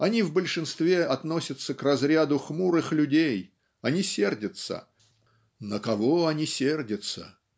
Они в большинстве относятся к разряду хмурых людей, они сердятся "на кого они сердятся